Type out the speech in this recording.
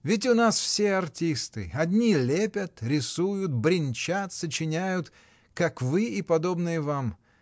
— Ведь у нас все артисты: одни лепят, рисуют, бренчат, сочиняют — как вы и подобные вам.